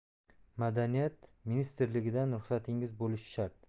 madaniyat ministrligidan ruxsatingiz bo'lishi shart